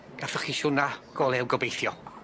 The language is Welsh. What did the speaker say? Gathoch chi siwrna go lew gobeithio.